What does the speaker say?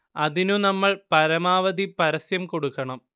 അതിന് നമ്മൾ പരമാവധി പരസ്യം കൊടുക്കണം